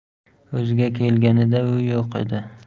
o'ziga kelganida u yo'q edi